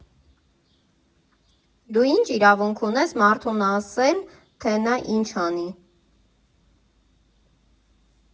Դու ի՞նչ իրավունք ունես մարդուն ասել, թե նա ինչ անի։